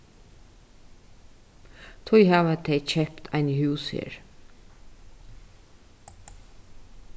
tí hava tey keypt eini hús her